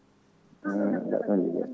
mbɗɗon e ligguey